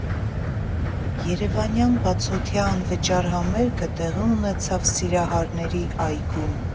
Երևանյան բացօթյա անվճար համերգը տեղի ունեցավ Սիրահարների այգում։